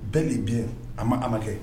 Bɛɛ de bi an ma an kɛ